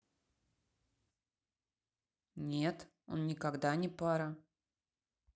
нет он никогда не пара